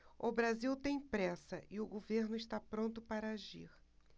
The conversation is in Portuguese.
o brasil tem pressa e o governo está pronto para agir